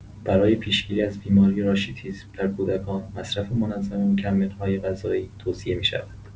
برای پیش‌گیری از بیماری راشیتیسم در کودکان، مصرف منظم مکمل‌های غذایی توصیه می‌شود.